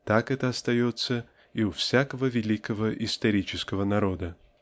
так это остается и у всякого великого исторического народа.